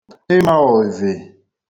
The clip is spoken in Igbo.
ịma ọ̀ịvị̀